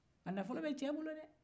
naflo bɛ cɛ bolo dɛɛ